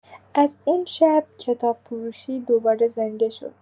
از اون شب، کتاب‌فروشی دوباره زنده شد.